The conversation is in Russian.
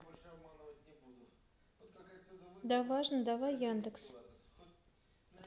да важно давай яндекс